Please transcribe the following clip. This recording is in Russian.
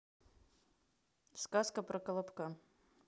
сказка про колобка